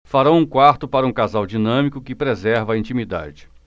farão um quarto para um casal dinâmico que preserva a intimidade